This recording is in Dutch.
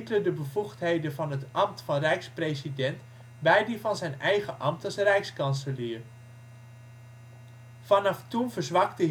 de bevoegdheden van het ambt van Rijkspresident bij die van zijn eigen ambt als Rijkskanselier. Vanaf toen verzwakte